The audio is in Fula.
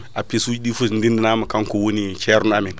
APS suji ɗi foof so ndenni nama ko kanko woni ceerno amen